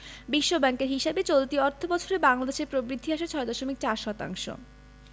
বিশ্বব্যাংকের হিসাবে চলতি অর্থবছরে বাংলাদেশের প্রবৃদ্ধি আসবে ৬.৪ শতাংশ